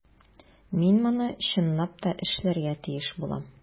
Мин моны чынлап та эшләргә тиеш булам.